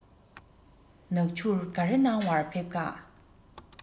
ནག ཆུར ག རེ གནང བར ཕེབས ཀ